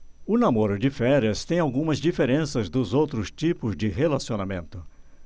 o namoro de férias tem algumas diferenças dos outros tipos de relacionamento